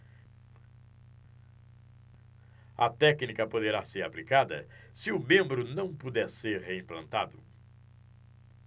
a técnica poderá ser aplicada se o membro não puder ser reimplantado